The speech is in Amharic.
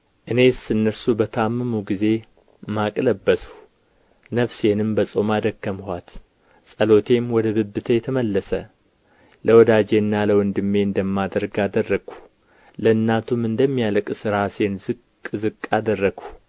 እኔስ እነርሱ በታመሙ ጊዜ ማቅ ለበስሁ ነፍሴንም በጾም አደከምኋት ጸሎቴም ወደ ብብቴ ተመለሰ ለወዳጄና ለወንድሜ እንደማደርግ አደረግሁ ለእናቱም እንደሚያለቅስ ራሴን ዝቅ ዝቅ አደረግሁ